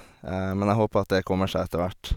Men jeg håper at det kommer seg etter hvert.